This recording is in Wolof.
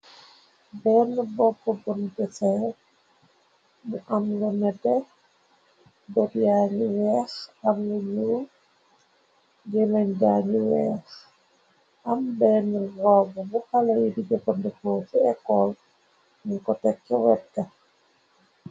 benn bopp bun beser bu am lu nete botyaanu weers am lu ñu jëmeñ banu weers am benn rooba bu xalayi di jëfandekoo ci ecol nu ko tekc wekka